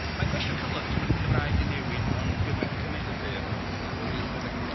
Mae'n gwestiwn cymhleth achos mae'r Gymraeg 'di newid mewn gymai- cymaint o ffyrdd efo t- tafodieithau ac yn y blaen.